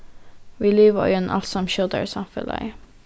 vit liva í einum alsamt skjótari samfelagi